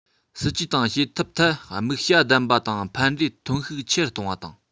སྲིད ཇུས དང བྱེད ཐབས ཐད དམིགས བྱ ལྡན པ དང ཕན འབྲས ཐོན ཤུགས ཆེ རུ གཏོང བ